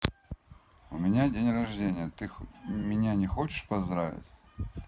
у меня день рождения ты меня не хочешь поздравить